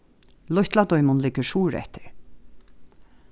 lítla dímun liggur suðureftir